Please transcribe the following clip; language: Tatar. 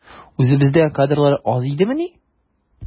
Үзебездә кадрлар аз идемени?